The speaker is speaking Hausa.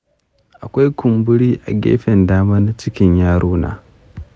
akwai kumburi a gefen dama na cikin yaro na.